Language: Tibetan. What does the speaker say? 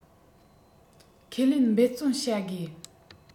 ཁས ལེན འབད བརྩོན བྱ དགོས